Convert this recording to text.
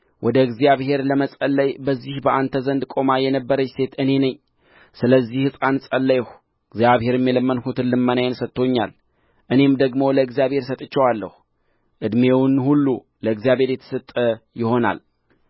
ወደ እግዚአብሔር ለመጸለይ በዚህ በአንተ ዘንድ ቆማ የነበረች ሴት እኔ ነኝ ሰለዚህ ሕፃን ጸለይሁ እግዚአብሔርም የለመንሁትን ልመናዬን ሰጥቶኛል እኔም ደግሞ ለእግዚአብሔር ሰጥቼዋለሁ ዕድሜውን ሁሉ ለእግዚአብሔር የተሰጠ ይሆናል